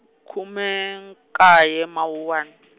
khume , nkaye Mawuwani.